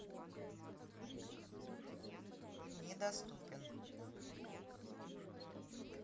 недоступен